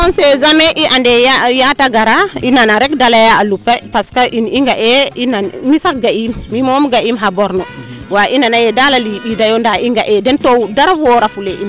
on sait jamais yaate gara i nana ley de leye a lupe yaam i nane i leye mi sax ga'iim mi moom ga'iim xa born i nana yee daal a limba yo ndaa i nga'e den to dara woora fule in